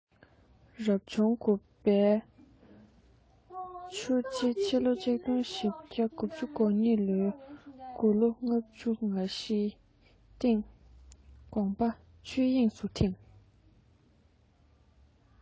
རབ བྱུང བརྒྱད པའི ཆུ བྱི ཕྱི ལོ ༡༤༩༢ ལོར དགུང ལོ ལྔ བཅུ ང བཞིའི སྟེང དགོངས པ ཆོས དབྱིངས སུ འཐིམས